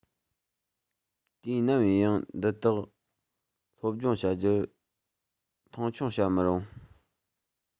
དུས ནམ ཡིན ཡང འདི དག སློབ སྦྱོང བྱ རྒྱུར མཐོང ཆུང བྱ མི རུང